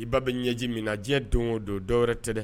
I ba bɛ ɲɛji min na diɲɛ don o don dɔwɛrɛ tɛ